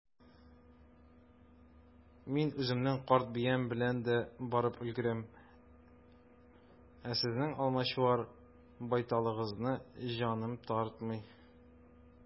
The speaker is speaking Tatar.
Мин үземнең карт биям белән дә барып өлгерәм, ә сезнең алмачуар байталыгызны җаным тартмый.